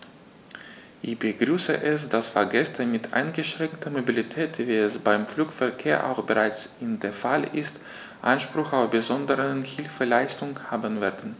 Ich begrüße es, dass Fahrgäste mit eingeschränkter Mobilität, wie es beim Flugverkehr auch bereits der Fall ist, Anspruch auf besondere Hilfeleistung haben werden.